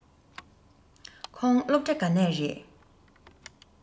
ཁོང སློབ གྲྭ ག ནས རེས